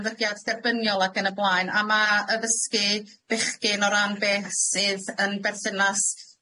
ymddygiad derbyniol ag yn y blaen a ma' addysgu bechgyn o ran beth sydd yn berthynas